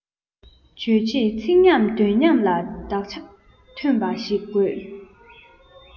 རྗོད བྱེད ཚིག ཉམས དོན ཉམས ལ དག ཆ ཐོན པ ཞིག དགོས